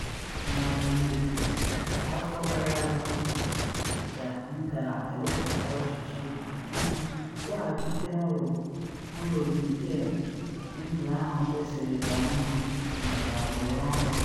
Nwada May kwuru: “Afọ gara aga m kwuru m ga-ewepụta ọchịchị m iji weghachite nrọ Britain - ndụ ahụ kwesịrị ka mma maka agbụrụ ọhụrụ ọ bụla.